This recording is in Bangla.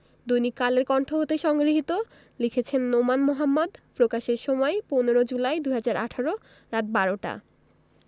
দৈনিক কালের কন্ঠ হতে সংগৃহীত লিখেছেন নোমান মোহাম্মদ প্রকাশের সময় ১৫ জুলাই ২০১৮ রাত ১২ টা